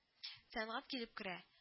Сәнгать килеп керә